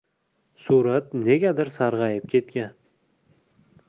surat negadir sarg'ayib ketgan